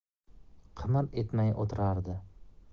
qimir etmay o'tirardi